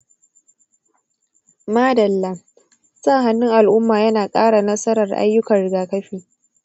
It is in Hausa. madalla; sa hannun al’umma yana ƙara nasarar ayyukan rigakafi.